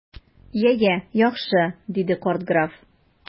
Я, я, яхшы! - диде карт граф.